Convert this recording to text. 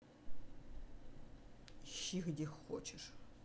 ищи где хочешь